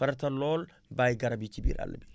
farataal loolbàyyi garab yi ci biir àll bi